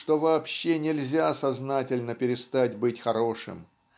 что вообще нельзя сознательно перестать быть хорошим